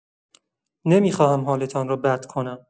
نمی‌خواهم حالتان را بد کنم.